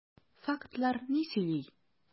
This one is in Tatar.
Фактлар ни сөйли?